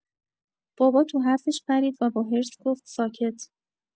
بابا تو حرفش پرید و با حرص گفت: ساکت!